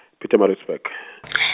Pietermaritzburg .